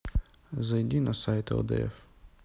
зайди на сайт лдф